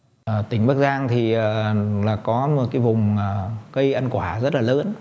tỉnh bắc giang thì là có một cái vùng cây ăn quả rất là lớn